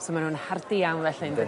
So ma' nw'n hardi iawn felly yndydyn?